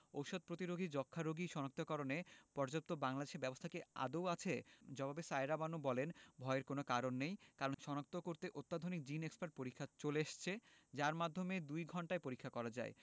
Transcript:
ওষুধ প্রতিরোধী যক্ষ্মা রোগী শনাক্তকরণে পর্যাপ্ত ব্যবস্থা কি বাংলাদেশে আদো আছে জবাবে সায়েরা বানু বলেন ভয়ের কোনো কারণ নেই কারণ শনাক্ত করতে অত্যাধুনিক জিন এক্সপার্ট পরীক্ষা চলে এসেছে যার মাধ্যমে দুই ঘণ্টায় পরীক্ষা করা যায়